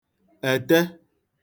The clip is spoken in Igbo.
ete